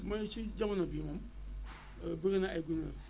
mooy ci jamono bii moom bëri na ay gunóor